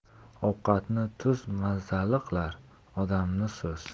ovqatni tuz mazali qilar odamni so'z